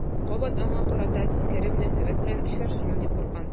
Кабат аңа карата тискәре мөнәсәбәт белән очрашырмын дип куркам.